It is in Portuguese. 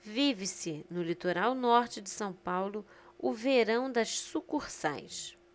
vive-se no litoral norte de são paulo o verão das sucursais